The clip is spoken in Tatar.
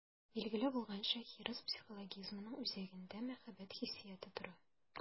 Билгеле булганча, хирыс психологизмының үзәгендә мәхәббәт хиссияте тора.